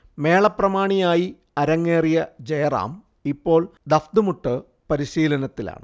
മേള പ്രമാണിയായി അരങ്ങേറിയ ജയറാം ഇപ്പോൾ ദഫ്മുട്ട് പരിശിലനത്തിലാണ്